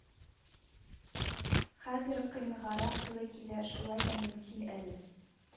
Хәзер кыенгарак туры килә, шулай да мөмкин әле